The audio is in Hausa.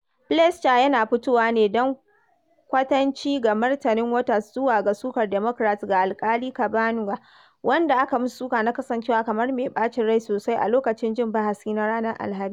Fleischer yana fitowa ne don kwatanci ga martanin Waters zuwa ga sukar Democrats ga Alƙali Kavanaugh, wanda aka masu suka na kasancewa kamar mai ɓacin rai sosai a lokacin jin bahasi na ranar Alhamis.